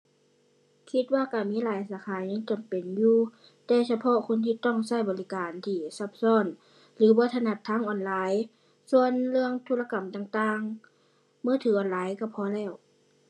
คิดว่าการมีหลายสาขายังจำเป็นอยู่ แต่เฉพาะคนที่ต้องใช้บริการที่ซับซ้อนหรือบ่ถนัดทางออนไลน์ ส่วนเรื่องธุรกรรมต่างต่างมือถือออนไลน์ใช้พอแล้ว